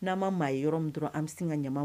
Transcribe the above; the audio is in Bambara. N'a ma maa ye yɔrɔ min dɔrɔn an bɛ sin ka ɲaman